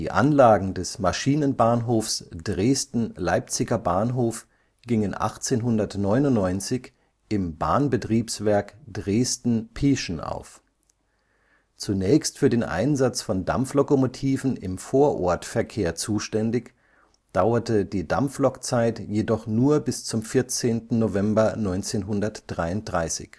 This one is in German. Anlagen des Maschinenbahnhofs Dresden Leipziger Bahnhof gingen 1899 im Bahnbetriebswerk Dresden-Pieschen auf. Zunächst für den Einsatz von Dampflokomotiven im Vorortverkehr zuständig, dauerte die Dampflokzeit jedoch nur bis zum 14. November 1933